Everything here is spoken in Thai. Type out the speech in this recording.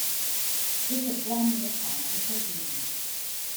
รู้สึกกล้ามเนื้อขาไม่ค่อยดี